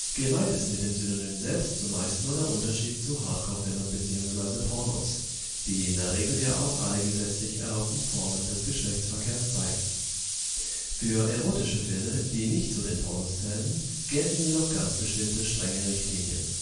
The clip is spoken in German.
Gemeint ist mit dem Synonym selbst zumeist nur der Unterschied zu Hardcorefilmen bzw. Pornos, die in der Regel ja auch alle gesetzlich erlaubten Formen des Geschlechtsverkehrs zeigen. Für erotische Filme, die nicht zu den Pornos zählen, gelten jedoch ganz bestimmte strenge Richtlinien